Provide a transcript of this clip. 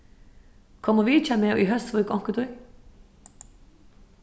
kom og vitja meg í hósvík onkuntíð